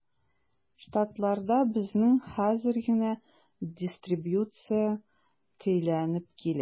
Штатларда безнең хәзер генә дистрибуция көйләнеп килә.